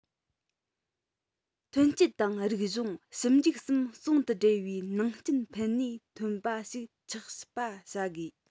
ཐོན སྐྱེད དང རིགས གཞུང ཞིབ འཇུག གསུམ ཟུང དུ སྦྲེལ བའི ནང རྐྱེན ཕན ནུས ཐོན པ ཞིག ཆགས པ བྱ དགོས